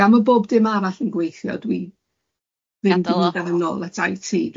gan ma' bob dim arall yn gweithio dwi... Gadal o?... ddim 'di mynd a fo nôl at I Tee.